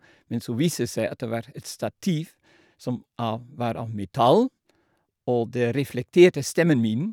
Men så viste det seg at det var et stativ som av var av metall, og det reflekterte stemmen min.